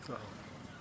waaw